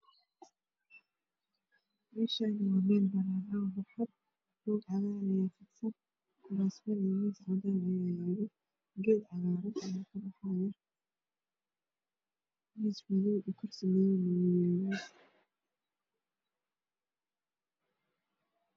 Meeshaan waa meel banaan ah oo barxad ah roog cagaaran ayaa fidsan waxaa yaalo kuraasman iyo miis cadaan ah. Geed cagaaran ayaa kabaxaayo. Miis madow iyo kursi madow na waa yaalaa.